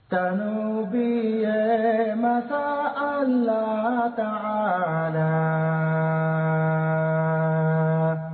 San b'i yo matan a lala taa la